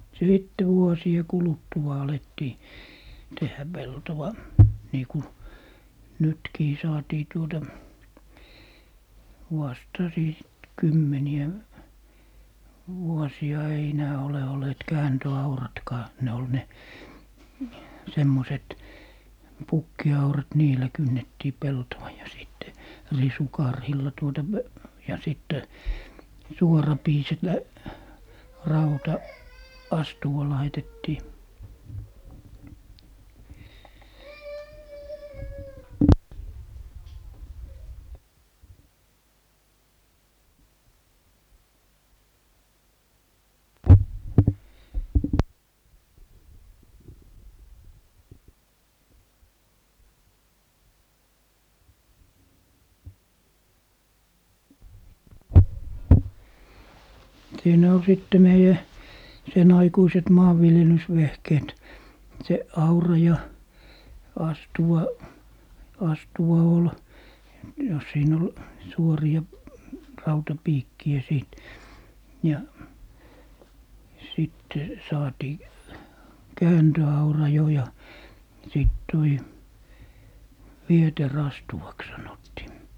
sitten vuosien kuluttua alettiin tehdä peltoa niin kuin nytkin saatiin tuota haastaisi sitten kymmeniä vuosia ei enää ole olleet kääntöauratkaan ne oli ne semmoiset pukkiaurat niillä kynnettiin peltoa ja sitten risukarhilla tuota - ja sitten suorapiiset rauta astuva laitettiin siinä oli sitten meidän sen aikuiset maanviljelysvehkeet se aura ja astuva astuva oli ja siinä oli suoria rautapiikkejä sitten ja sitten saatiin kääntöaura jo ja sitten tuo vieteriastuvaksi sanottiin